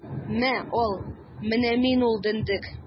Мә, ал, менә мин ул дөндек!